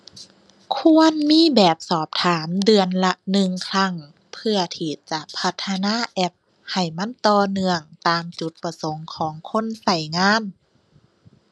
ควรมีแบบสอบถามเดือนละหนึ่งครั้ง เพื่อที่จะพัฒนาแอปให้มันต่อเนื่องตามจุดประสงค์ของคนใช้งาน